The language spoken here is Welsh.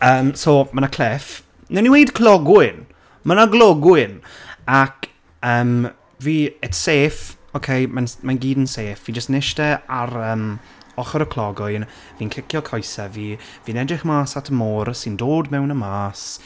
Yym so ma' 'na cliff, wnawn ni weud clogwyn. Ma' 'na glogwyn, ac yym fi... it's safe, okay, mae'n... mae'n gyd yn safe. Fi jyst yn iste ar yym ochr y clogwyn, fi'n cicio coesau fi, fi'n edrych mas at y môr sy'n dod mewn a mas.